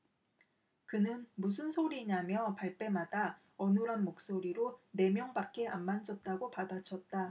그는 무슨 소리냐며 발뺌하다 어눌한 목소리로 네 명밖에 안 만졌다고 받아쳤다